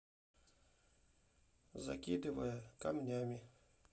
закидывая камнями